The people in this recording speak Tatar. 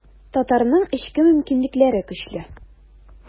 Татарның эчке мөмкинлекләре көчле.